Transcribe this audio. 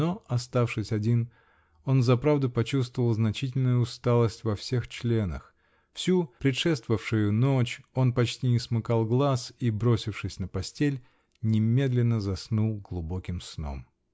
но, оставшись один, он взаправду почувствовал значительную усталость во всех членах: всю предшествовавшую ночь он почти не смыкал глаз и, бросившись на постель, немедленно заснул глубоким сном.